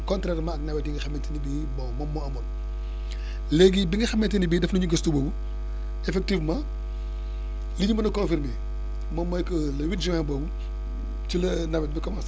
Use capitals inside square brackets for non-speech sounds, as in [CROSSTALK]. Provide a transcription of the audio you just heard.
contrairement ak nawet yi nga xamante ni bii bon moom moo amoon [BREATH] léegi bi nga xamante ni bii def nañu gëstu boobu effectivement [BREATH] li ñu mën a confirmer moom mooy que le huit juin boobu ci la nawet bi commencé